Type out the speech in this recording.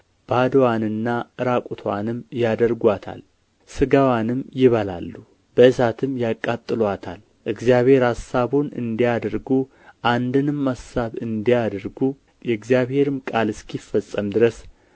ባዶዋንና ራቁትዋንም ያደርጓታል ሥጋዋንም ይበላሉ በእሳትም ያቃጥሉአታል እግዚአብሔር አሳቡን እንዲያደርጉ አንድንም አሳብ እንዲያደርጉ የእግዚአብሔርም ቃል እስኪፈጸም ድረስ